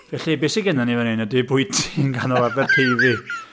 Felly be sy gennon ni fan hyn, ydi bwyty yn ganol Aberteifi...